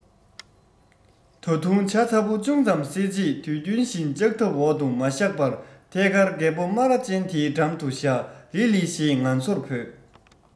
ད དུང ཇ ཚ པོ ཅུང ཙམ བསྲེས རྗེས དུས རྒྱུན བཞིན ལྕགས ཐབ འོག ཏུ མ བཞག པར ཐད ཀར རྒད པོ སྨ ར ཅན དེའི འགྲམ དུ བཞག ལི ལི ཞེས ང ཚོར བོས